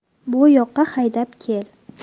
bu yoqqa haydab kel